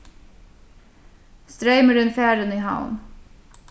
streymurin farin í havn